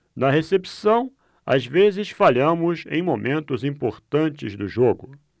na recepção às vezes falhamos em momentos importantes do jogo